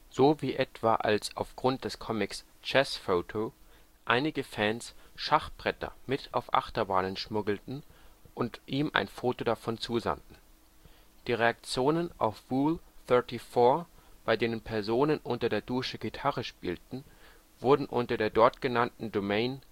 so wie etwa als aufgrund des Comics „ Chess Photo “einige Fans Schachbretter mit auf Achterbahnen schmuggelten und ihm ein Foto davon zusanden. Die Reaktionen auf „ Rule 34 “, bei denen Personen unter der Dusche Gitarre spielten, wurden unter der dort genannten Domain